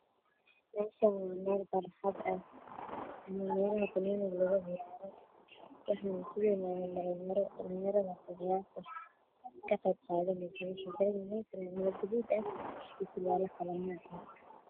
Meeshaan waa garoon waxaa iiga muuqda wiilal wataan fanaanado guduud surwaalo madow cagaar ka banooni ay ciyaarayaan